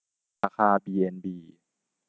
ราคาบีเอ็นบี